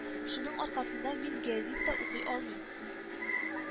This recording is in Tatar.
Шуның аркасында мин гәзит тә укый алмыйм